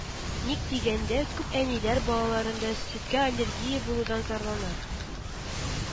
Ник дигәндә, күп әниләр балаларында сөткә аллергия булудан зарлана